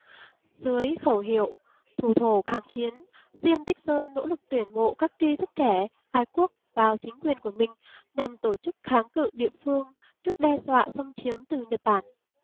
dưới khẩu hiệu thủ thổ kháng chiến diêm tích sơn nỗ lực tuyển mộ các tri thức trẻ ái quốc vào chính quyền của mình nhằm tổ chức kháng cự địa phương trước đe dọa xâm chiếm từ nhật bản